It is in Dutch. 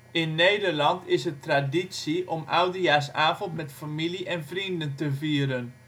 In Nederland is het traditie om oudejaarsavond met familie en vrienden te vieren